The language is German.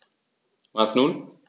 Und nun?